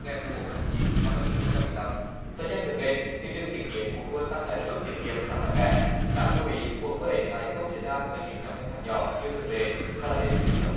ngày mùng một tháng chín năm hai nghìn không trăm mười tám thời gian gần đây thị trường chứng kiến cuộc đua tăng lãi suất tiết kiệm khá mạnh mẽ đáng lưu ý cuộc đuổi lại không xảy ra từ những nhóm ngân hàng nhỏ như thường lệ mà là đến từ nhóm